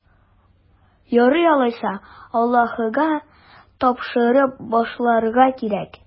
Ярый алайса, Аллаһыга тапшырып башларга кирәк.